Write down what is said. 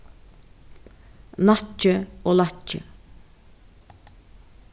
nakki og lakki